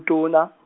tona.